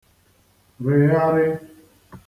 règharị̄